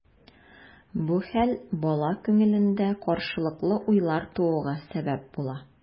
Бу хәл бала күңелендә каршылыклы уйлар тууга сәбәп була.